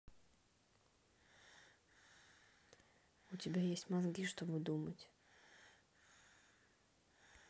у тебя есть мозги чтобы думать